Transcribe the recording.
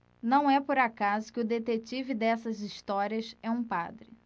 não é por acaso que o detetive dessas histórias é um padre